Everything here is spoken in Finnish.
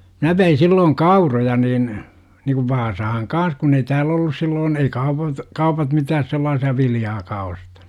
minä vein silloin kauroja niin niin kuin Vaasaan kanssa kun ei täällä ollut silloin ei kaupat kaupat mitäs sellaisia viljaakaan ostanut